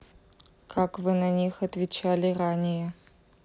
как вы на них отвечали ранее